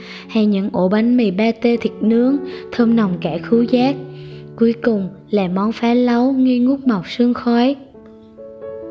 hay những ổ bánh mì pate thịt nướng thơm nồng cả khứu giác cuối cùng là món phá lấu nghi ngút màu sương khói